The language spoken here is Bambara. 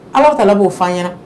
Ala tala b'o fa n ɲɛna